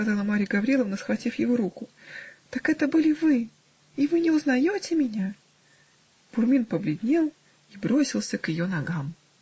-- сказала Марья Гавриловна, схватив его руку, -- так это были вы! И вы не узнаете меня? Бурмин побледнел. и бросился к ее ногам.